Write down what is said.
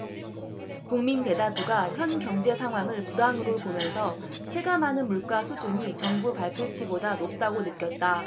국민 대다수가 현 경제상황을 불황으로 보면서 체감하는 물가 수준이 정부 발표치보다 높다고 느꼈다